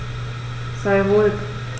Sei ruhig.